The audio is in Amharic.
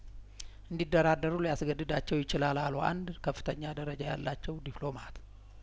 እንዲ ደራደሩ ሊያስ ገድዳቸው ይችላል አሉ አንድ ከፍተኛ ደረጃ ያላቸው ዲፕሎማት